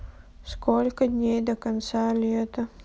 сколько дней до конца лета